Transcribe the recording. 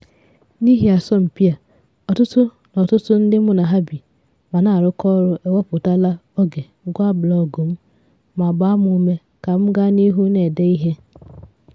N'ihi asọmpi a, ọtụtụ na ọtụtụ ndị mụ na ha bi ma na-arụkọ ọrụ ewepụtala oge gụọ blọọgụ m ma gbaa mụ ume ka m gaa n'ihu na-ede ihe.